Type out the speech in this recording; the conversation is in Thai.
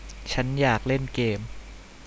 ฉันอยากเล่นเกม